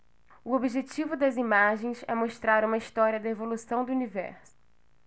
o objetivo das imagens é mostrar uma história da evolução do universo